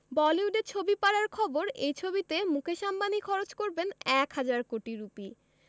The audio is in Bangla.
বলিউডের ছবিপাড়ার খবর এই ছবিতে মুকেশ আম্বানি খরচ করবেন এক হাজার কোটি রুপি